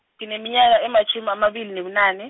ngineminyaka ematjhumi amabili nebunane.